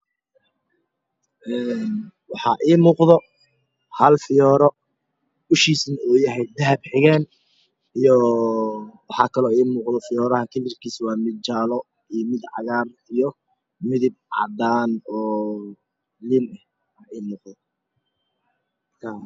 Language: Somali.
Een waxaa ii muuqda hal fiyoore ushiisu yaahay daahab xigeen iyo maxa kalo ii muuqda fiyooraha kalarkiisu waa mid jaalo iyo mid cagaar iyo midib cadaan oo liil ah aa iimuuqda